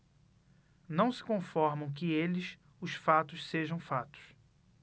não se conformam que eles os fatos sejam fatos